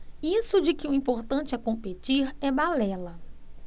isso de que o importante é competir é balela